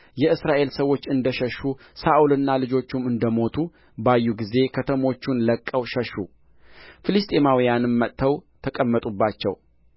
የእስራኤል ሰዎች እንደ ሸሹ ሳኦልና ልጆቹም እንደ ሞቱ ባዩ ጊዜ ከተሞቹን ለቅቀው ሸሹ ፍልስጥኤማውያንም መጥተው ተቀመጡባቸው